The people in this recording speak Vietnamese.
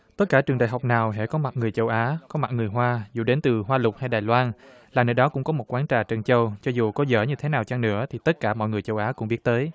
tất cả trường đại học nào hễ có mặt người châu á có mặt người hoa dù đến từ hoa lục hay đài loan là nơi đó cũng có một quán trà trân châu cho dù có dở như thế nào chăng nữa thì tất cả mọi người châu á cũng biết tới